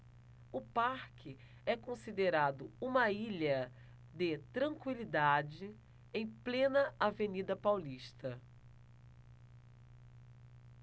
o parque é considerado uma ilha de tranquilidade em plena avenida paulista